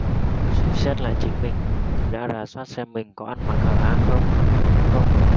suy xét lại chính mình tôi đã rà soát xem mình có ăn mặc hở hang không không